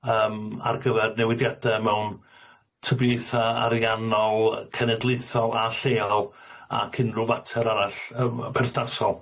yym ar gyfer newidiade mewn tybieitha ariannol y- cenedlaethol a lleol ac unrhyw fater arall yym perthnasol.